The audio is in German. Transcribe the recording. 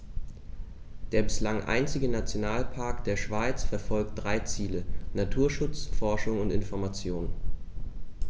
Der bislang einzige Nationalpark der Schweiz verfolgt drei Ziele: Naturschutz, Forschung und Information.